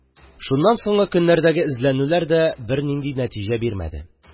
Шуннан соңгы көннәрдәге эзләнүләр дә бернинди нәтиҗә бирмәде.